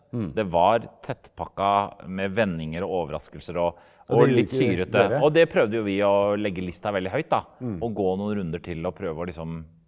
det var tettpakka med vendinger og overraskelser og og litt syrete og det prøvde jo vi å legge lista veldig høyt da og gå noen runder til og prøve å liksom.